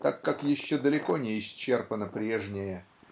так как еще далеко не исчерпано прежнее